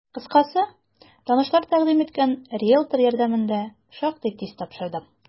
Кыскасы, танышлар тәкъдим иткән риелтор ярдәмендә шактый тиз тапшырдым.